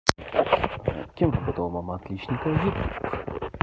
кем работала мама отличника youtube